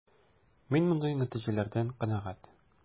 Мин мондый нәтиҗәләрдән канәгать.